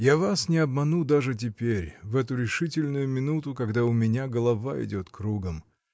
— Я вас не обману даже теперь, в эту решительную минуту, когда у меня голова идет кругом.